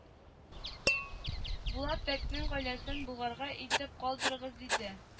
Булат бәкнең гаиләсен болгарга илтеп калдырыгыз диде